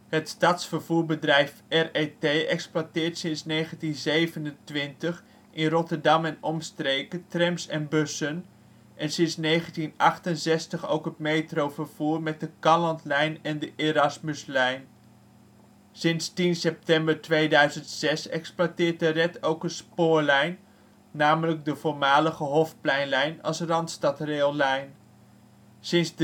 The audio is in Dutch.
Het stadsvervoerbedrijf RET exploiteert (sinds 1927) in Rotterdam e.o. trams en bussen en sinds 1968 ook het metrovervoer met de Calandlijn en de Erasmuslijn. Sinds 10 september 2006 exploiteert de RET ook een spoorlijn, namelijk de voormalige Hofpleinlijn als RandstadRail-lijn. Sinds